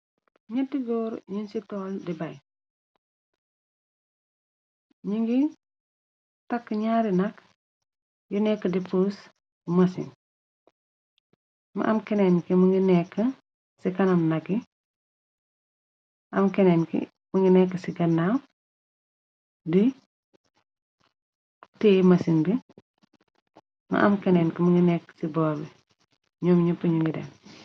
ñetti góor yiñ ci toll di bay ñi ngi takk ñaari nak yu nekk di pus mësin ma am keneen ki mi ngi nekk ci kanam naki am keneen ki mu ngi nekk ci gannaaw du tée mësin bi ma am keneen ki mu ngi nekk ci boobe ñoom ñepp ñu ni deen